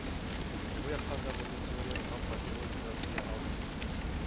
Бу яктан да мондый теория гап-гади логикага сыя алмый,